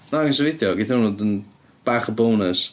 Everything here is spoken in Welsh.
Ddangos y fideo, geith hwn fod yn bach o bonus.